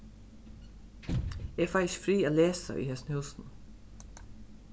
eg fái ikki frið at lesa í hesum húsinum